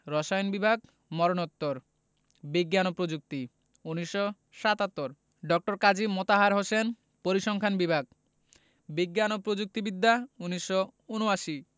রসায়ন বিভাগ মরণোত্তর বিজ্ঞান ও প্রযুক্তি ১৯৭৭ ড. কাজী মোতাহার হোসেন পরিসংখ্যান বিভাগ বিজ্ঞান ও প্রযুক্তি বিদ্যা ১৯৭৯